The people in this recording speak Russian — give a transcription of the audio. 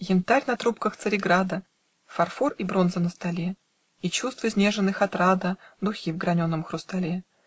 Янтарь на трубках Цареграда, Фарфор и бронза на столе, И, чувств изнеженных отрада, Духи в граненом хрустале